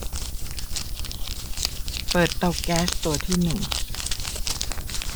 เปิดเตาแก๊สตัวที่หนึ่ง